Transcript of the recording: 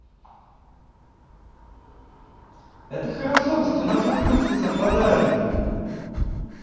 это хорошо что наши вкусы совпадают